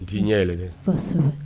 Ti ɲɛ yɛlɛ dɛ kɔsɛbɛ